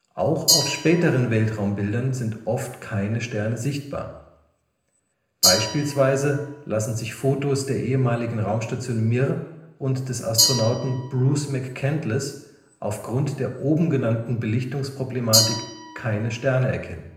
Auch auf späteren Weltraumbildern sind oft keine Sterne sichtbar, beispielsweise lassen die beiden Fotos der ehemaligen Raumstation Mir und des Astronauten Bruce McCandless aufgrund der oben genannten Belichtungsproblematik keine Sterne erkennen